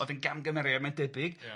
oedd yn gamgymeriad, mae'n debyg ia.